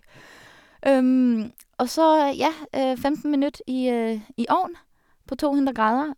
Og så, ja, femten minutt i i ovnen på to hundre grader.